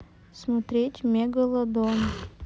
смотреть мегалодон